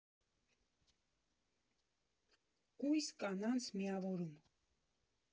Կույս կանանց միավորում։